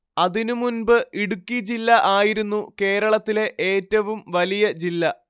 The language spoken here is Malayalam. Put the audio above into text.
അതിനു മുൻപ് ഇടുക്കി ജില്ല ആയിരുന്നു കേരളത്തിലെ ഏറ്റവും വലിയ ജില്ല